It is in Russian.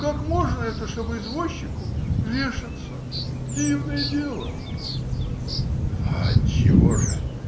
Как можно это, чтобы извозчику вешаться! Дивное дело! - Отчего же?